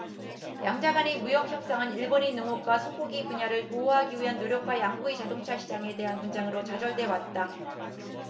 양자간의 무역협상은 일본의 농업과 소고기 분야를 보호하기 위한 노력과 양국의 자동차 시장에 대한 분쟁으로 좌절돼왔다